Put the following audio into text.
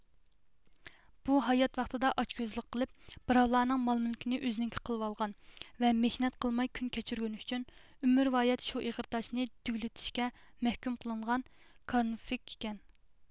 بۇ ھايات ۋاقتىدا ئاچ كۆزلۈك قىلىپ بىراۋلارنىڭ مال مۈلىكىنى ئۆزىنىڭكى قىلىۋالغان ۋە مېھنەت قىلماي كۈن كەچۈرگىنى ئۈچۈن ئۆمۈرۋايەت شۇ ئېغىر تاشنى دۈگىلىتىشكە مەھكۇم قىلىنغان كارىنفلىك ئىكەن